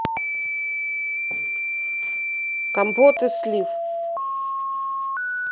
компот из слив